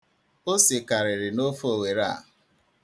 Ose karịrị n'ofe owere a.